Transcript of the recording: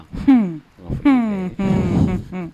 Hun hun